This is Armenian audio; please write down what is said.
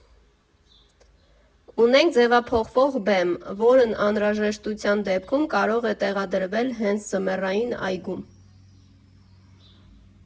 Ունենք ձևափոխվող բեմ, որն անհրաժեշտության դեպքում կարող է տեղադրվել հենց ձմեռային այգում։